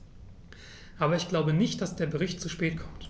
Aber ich glaube nicht, dass der Bericht zu spät kommt.